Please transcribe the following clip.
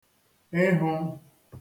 ịhụn